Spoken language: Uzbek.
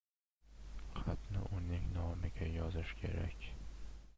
xatni uning nomiga yozish kerak